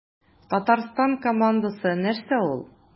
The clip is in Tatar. Татарстан командасы нәрсә ул?